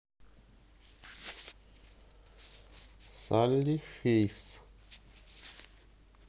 салли фейс